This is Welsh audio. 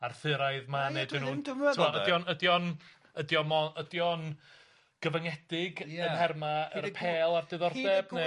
Arthuraidd 'ma neu ydyn nw'n t'mod ydi o'n ydi o'n ydi o mo- ydi o'n gyfyngedig... Ia. ...yn nherma yr apêl a'r diddordeb ne'?